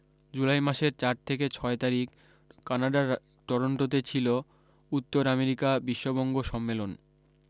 জুলাই মাসের চার থেকে ছয় তারিখ কানাডার টরোন্টোতে ছিল উত্তর আমেরিকা বিশ্ববঙ্গ সম্মেলন